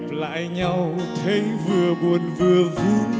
lại nhau thấy vừa buồn vừa vui